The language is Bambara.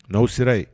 N'aw sera yen